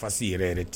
Fasi yɛrɛ yɛrɛ ten